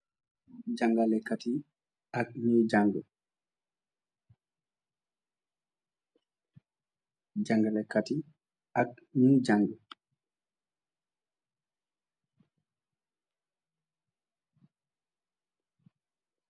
Jagalekat yee ak nyuye janga,